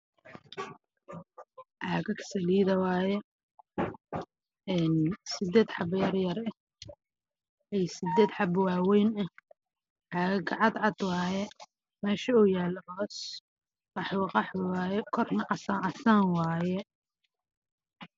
Waa caagado waxaa ku jira biyo caafi